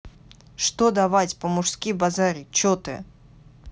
что давай по мужски базарить че ты